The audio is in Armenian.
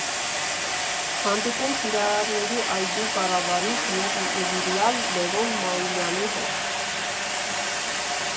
Հանդիպում Սիրահարների այգու կառավարիչ և նվիրյալ Լևոն Մայիլյանի հետ։